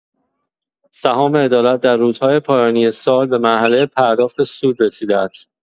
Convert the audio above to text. سهام عدالت در روزهای پایانی سال به مرحله پرداخت سود رسیده است.